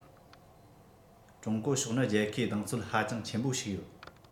ཀྲུང གོ ཕྱོགས ནི རྒྱལ ཁའི གདེང ཚོད ཧ ཅང ཆེན པོ ཞིག ཡོད